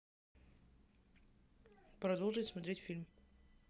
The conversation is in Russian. продолжить смотреть фильм